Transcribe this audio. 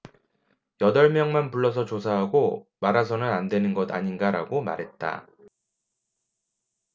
여덟 명만 불러서 조사하고 말아서는 안되는 것 아닌가라고 말했다